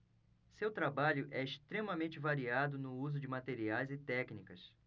seu trabalho é extremamente variado no uso de materiais e técnicas